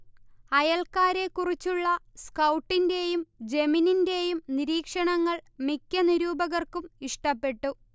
അയൽക്കാരെക്കുറിച്ചുള്ള സ്കൗട്ടിന്റെയും ജെമിനിന്റെയും നിരീക്ഷണങ്ങൾ മിക്ക നിരൂപകർക്കും ഇഷ്ടപ്പെട്ടു